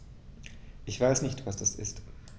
Ich weiß nicht, was das ist.